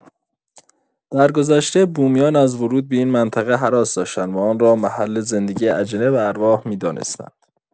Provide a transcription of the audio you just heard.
درگذشته، بومیان از ورود به این منطقه هراس داشتند و آن را محل زندگی اجنه و ارواح می‌دانستند.